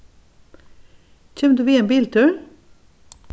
kemur tú við ein biltúr